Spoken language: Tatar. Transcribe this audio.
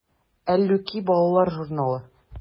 “әллүки” балалар журналы.